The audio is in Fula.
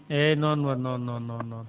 eeyi noon noon noon noon